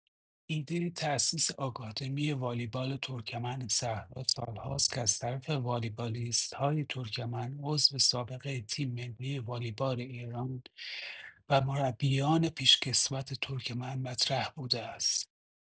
ایده تاسیس آکادمی والیبال ترکمن‌صحرا سالهاست که از طرف والیبالیست‌های ترکمن عضو سابق تیم‌ملی والیبال ایران و مربیان پیشکسوت ترکمن مطرح بوده است.